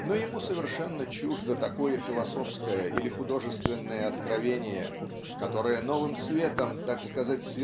Но ему совершенно чуждо такое философское или художественное откровение которое новым светом так сказать